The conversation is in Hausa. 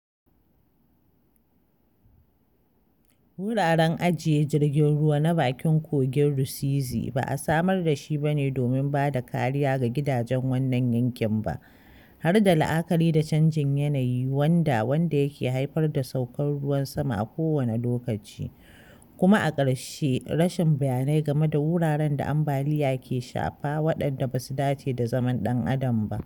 Wuraren ajiye jirgin ruwa na bakin kogin Rusizi ba a samar da shi bane domin bada kariya ga gidajen wannan yankin ba; har da la'akari da canjin yanayi wanda wanda yake haifar da saukar ruwan sama a kowane lokaci; kuma, a ƙarshe, rashin bayanai game da wuraren da ambaliya ke shafa waɗanda ba su dace da zaman ɗan adam ba.